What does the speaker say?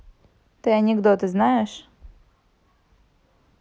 а ты анекдоты знаешь